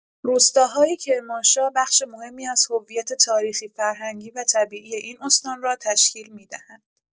روستاهای کرمانشاه بخش مهمی از هویت تاریخی، فرهنگی و طبیعی این استان را تشکیل می‌دهند.